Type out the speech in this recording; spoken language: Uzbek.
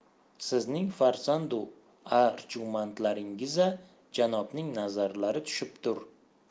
sizning farzandu arjumandlaringiza janobning nazarlari tushibdur